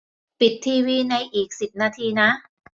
ปิดทีวีในอีกสิบนาทีนะ